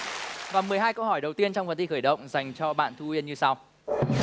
và mười hai câu hỏi đầu tiên trong phần thi khởi động dành cho bạn thu uyên như sau